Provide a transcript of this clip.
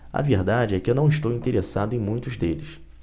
a verdade é que não estou interessado em muitos deles